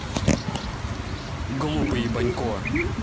глупый ебанько